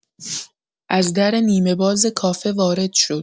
از در نیمه‌باز کافه وارد شد.